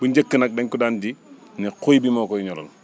bu njëkk nag dañ ko daan ji mais xuy bi moo koy ñoral